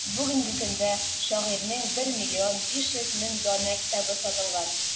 Бүгенге көндә шагыйрәнең 1,5 миллион данә китабы сатылган.